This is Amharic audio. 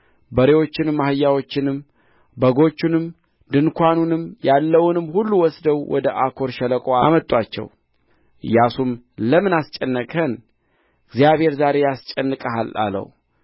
በሬዎቹንም አህያዎቹንም በጎቹንም ድንኳኑንም ያለውንም ሁሉ ወስደው ወደ አኮር ሸለቆ አመጡአቸው ኢያሱም ለምን አስጨነቅኸን እግዚአብሔር ዛሬ ያስጨንቅሃል አለው